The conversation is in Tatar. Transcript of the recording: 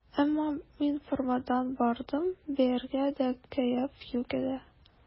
Әмма мин формадан бардым, биергә дә кәеф юк иде.